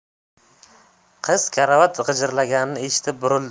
qiz karavot g'irchillaganini eshitib burildi